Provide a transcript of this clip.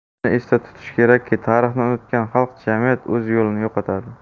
shuni esda tutish kerakki tarixni unutgan xalq jamiyat o'z yo'lini yo'qotadi